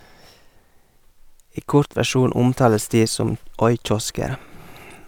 I kort versjon omtales de som oi-kiosker.